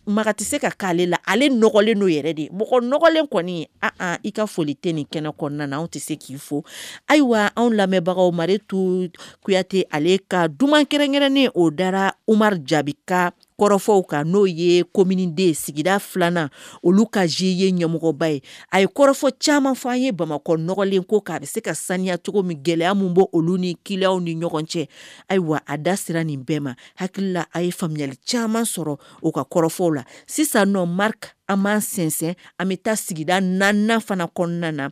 Makan tɛ se ka k'ale la ale nɔgɔlen n'o yɛrɛ de nɔgɔlen kɔni i ka foli tɛ nin kɛnɛ kɔnɔna anw tɛ se k'i fo ayiwa anw lamɛnbagaw marire tu kuyate ale ka jkɛrɛnrɛnnen o dara uma jaabi ka kɔrɔfɔw kan n'o ye kominiden ye sigi filanan olu ka ze ye ɲɛmɔgɔba ye a ye kɔrɔfɔ caman fɔ an ye bamakɔ nɔgɔlen ko k'a bɛ se ka saniya cogo min gɛlɛyaya min bɔ olu ni kilaw ni ɲɔgɔn cɛ ayiwa a da siran nin bɛɛ ma hakilila a ye faamuyali caman sɔrɔ o ka kɔrɔfɔfɔw la sisan nɔma an ma sinsɛn an bɛ taa sigi na fana kɔnɔna na